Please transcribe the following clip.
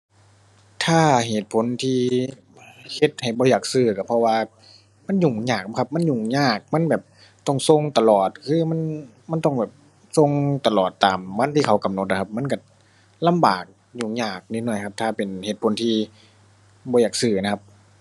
ถ้าเหตุผลที่เฮ็ดให้บ่อยากซื้อ ก็เพราะว่ามันยุ่งยากครับ มันยุ่งยาก มันแบบต้องส่งตลอด คือมัน มันต้องแบบ ส่งตลอดตามวันที่เขากำหนดอะครับ มันก็ลำบาก ยุ่งยากนิดหน่อยครับ ถ้าเป็นเหตุผลที่บ่อยากซื้ออะนะครับ